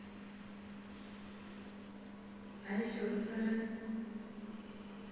а еще расскажи